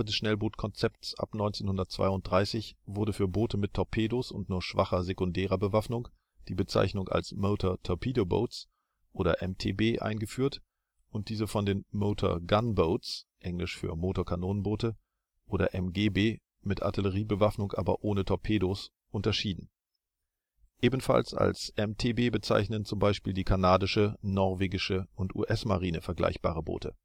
Schnellbootkonzepts ab 1932 wurde für Boote mit Torpedos und nur schwacher sekundärer Bewaffnung die Bezeichnung als Motor Torpedo Boats oder MTB eingeführt und diese von den Motor Gun Boats (engl. für Motorkanonenboote) oder MGB mit Artilleriebewaffnung, aber ohne Torpedos, unterschieden. Ebenfalls als MTB bezeichnen z. B. die kanadische, norwegische und US-Marine vergleichbare Boote